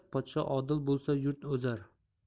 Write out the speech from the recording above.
podsho odil bo'lsa yurt o'zar